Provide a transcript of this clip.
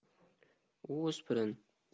u o'spirin